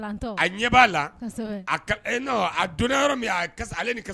A ɲɛ ba la , kɔsɛbɛ et non a donna Yɔrɔ min ale ni kas